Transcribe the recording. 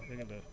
dëgg la